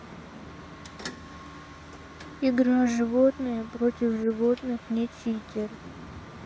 игра животные против животных не читер